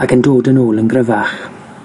ac yn dod yn ôl yn gryfach.